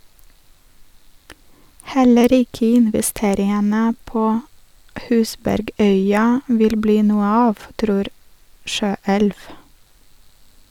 Heller ikke investeringene på Husbergøya vil bli noe av, tror Skøelv.